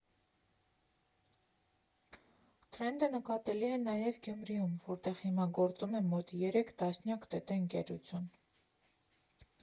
Թրենդը նկատելի է նաև Գյումրիում, որտեղ հիմա գործում է մոտ երեք տասնյակ ՏՏ ընկերություն։